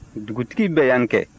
dugutigi bɛ yan kɛ